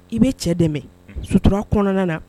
I bɛ cɛ dɛmɛ sutura kɔnɔna na